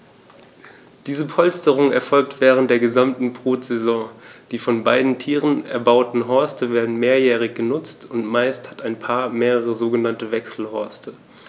Diese Polsterung erfolgt während der gesamten Brutsaison. Die von beiden Tieren erbauten Horste werden mehrjährig benutzt, und meist hat ein Paar mehrere sogenannte Wechselhorste.